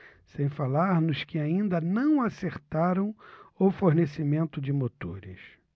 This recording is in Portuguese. sem falar nos que ainda não acertaram o fornecimento de motores